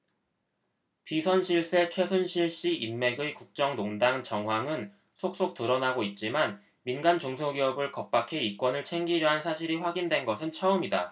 비선 실세 최순실씨 인맥의 국정농단 정황은 속속 드러나고 있지만 민간 중소기업을 겁박해 이권을 챙기려 한 사실이 확인된 것은 처음이다